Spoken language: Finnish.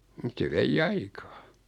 mutta se vei aikaa